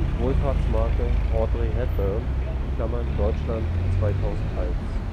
Wohlfahrtsmarke Audrey Hepburn (Deutschland – 2001